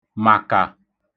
màkà